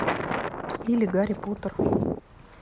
или гарри поттер